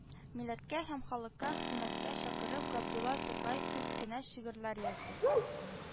Милләткә һәм халыкка хезмәткә чакырып, Габдулла Тукай күп кенә шигырьләр язды